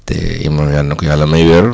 te imaam yal na ko yàlla may wér